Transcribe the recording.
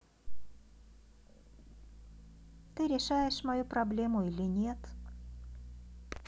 ты решаешь мою проблему или нет